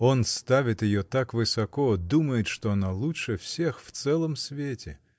Он ставит ее так высоко, думает, что она лучше всех в целом свете!